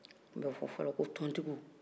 o de y'a ton afɔra ko tongigiw